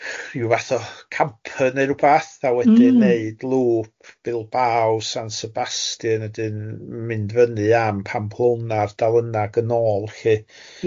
rhyw fath o camper neu rwbath a wedyn... Mm. ...wneud lŵp Bilbao San Sebastian wedyn yn mynd fyny am Pamplona ar dal yna ac yn ôl felly. Ia.